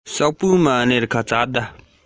ངས ཀྱང ལྡག ཙམ ལྡག ཙམ བྱས པ ཡིན